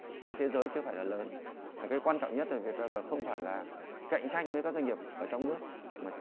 với thế giới chưa phải là lớn hai cái quan trọng nhất ở việt tre vờ không phải là cạnh tranh với các doanh nghiệp ở trong nước